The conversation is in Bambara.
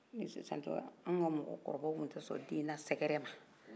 nin sisan tɛ an ka mɔgɔkɔrɔbaw tun tɛ sɔn de lasɛkɛrɛ ma